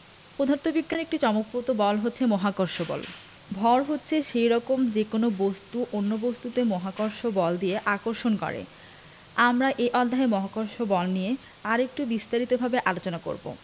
পদার্থবিজ্ঞানের একটি চমকপ্রদ বল হচ্ছে মহাকর্ষ বল ভর আছে সেরকম যেকোনো বস্তু অন্য বস্তুকে মহাকর্ষ বল দিয়ে আকর্ষণ করে আমরা এই অধ্যায়ে মহাকর্ষ বল নিয়ে আরেকটু বিস্তারিতভাবে আলোচনা করব